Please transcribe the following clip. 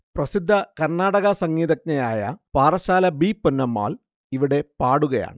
പ്രസിദ്ധ കർണാടക സംഗീതജ്ഞയായ പാറശ്ശാല ബി പൊന്നമ്മാൾ ഇവിടെ പാടുകയാണ്